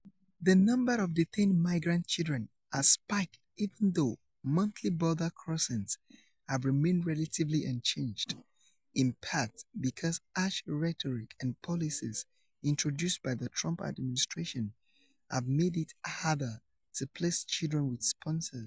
The number of detained migrant children has spiked even though monthly border crossings have remained relatively unchanged, in part because harsh rhetoric and policies introduced by the Trump administration have made it harder to place children with sponsors.